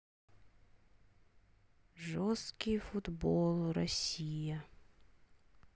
жесткий футбол россия